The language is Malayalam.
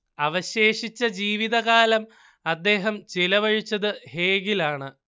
അവശേഷിച്ച ജീവിതകാലം അദ്ദേഹം ചെലവഴിച്ചത് ഹേഗിലാണ്